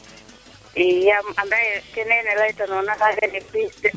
i yaam anda ye kene leyta noona naga jeg tu